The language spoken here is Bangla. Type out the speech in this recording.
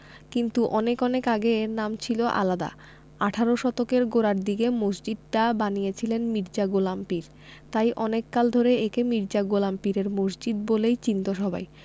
কিন্তু অনেক অনেক আগে এর নাম ছিল আলাদা আঠারো শতকের গোড়ার দিকে মসজিদটা বানিয়েছিলেন মির্জা গোলাম পীর তাই অনেক কাল ধরে একে মির্জা গোলাম পীরের মসজিদ বলেই চিনতো সবাই